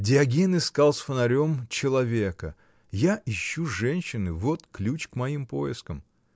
Диоген искал с фонарем “человека” — я ищу женщины: вот ключ к моим поискам!